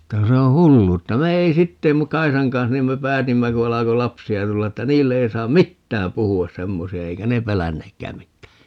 että kun se on hulluutta me ei sitten - Kaisan kanssa niin me päätimme kun alkoi lapsia tulla että niille ei saa mitään puhua semmoisia eikä ne pelänneetkään mitään